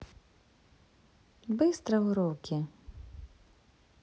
быстро уроки